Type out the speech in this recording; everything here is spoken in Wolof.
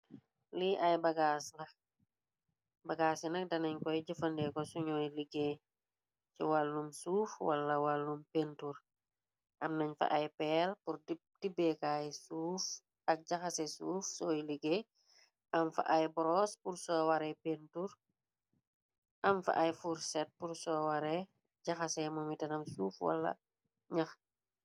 Lii ay bagasa la, bagaas yi nak danañ koy jëfandee ko suñooy liggéey ci wàllum suuf, wala wàllum pentur. Am nañ fa ay pel pur tibeekaay suuf ak jaxase suuf sooy liggéey, am fa ay bros pur soo ware pentur am fa ay furset pur soo ware jaxase mumi tanam suuf wala ñyax.